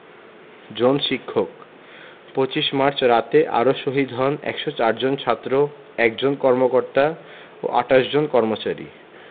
জন শিক্ষক ২৫ মার্চ রাতে আরো শহীদ হন ১০৪ জন ছাত্র ১ জন কর্মকর্তা ও ২৮ জন কর্মচারী